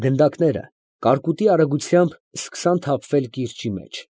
Գնդակները կարկուտի արագությամբ սկսան թափվել կիրճի մեջ։